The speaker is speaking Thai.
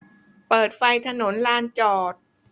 เปิดไฟถนนลานจอด